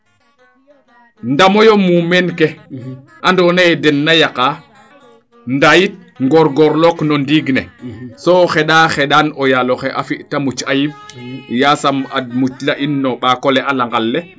ndamoyo mumeen ke ando naye dena yaqaa ndaa yit ngorgorlook no ndeeing ne so xenda xendan o yaaloxe te fi ayib yasam a musla in no mbaakole a langa le